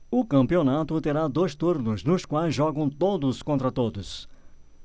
o campeonato terá dois turnos nos quais jogam todos contra todos